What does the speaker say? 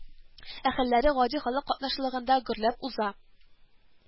Әһелләре, гади халык катнашлыгында гөрләп уза